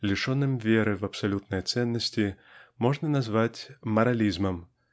лишенным веры в абсолютные ценности можно назвать морализмом